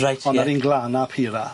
Reit ie. On' yr un glana pura.